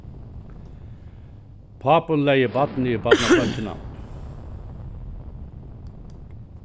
pápin legði barnið í barnasongina